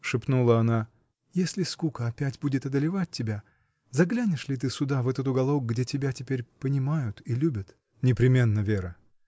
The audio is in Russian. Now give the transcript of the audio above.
— шепнула она, — если скука опять будет одолевать тебя, заглянешь ли ты сюда, в этот уголок, где тебя теперь понимают и любят?. — Непременно, Вера!